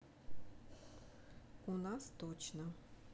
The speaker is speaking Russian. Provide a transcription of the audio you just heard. у нас точно